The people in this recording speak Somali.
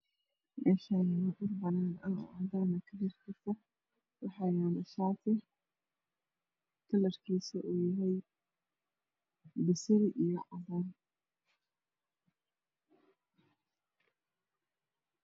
Meshaani waa dhul banaan oo kalarkiisa cadan ah waxa yala shati kalarkisu uyahay basali iyo cadan